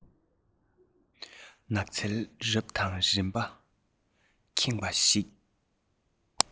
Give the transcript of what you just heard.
ནགས ཚལ རབ དང རིམ པས ཁེངས པ ཞིག